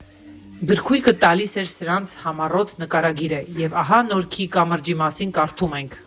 Գրքույկը տալիս էր սրանց համառոտ նկարագիրը, և ահա Նորքի կամրջի մասին կարդում ենք՝